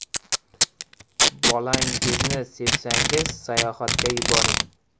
bolangizni sevsangiz sayoxatga yuboring